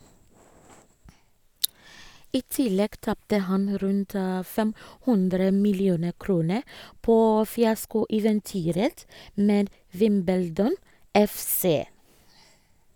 I tillegg tapte han rundt 5 00 millioner kroner på fiaskoeventyret med Wimbledon FC.